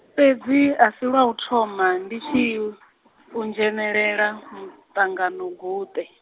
fhedzi a si lwa u thoma ndi tshi i, udzhenelela muṱanganoguṱe.